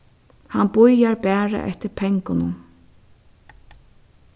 hann bíðar bara eftir pengunum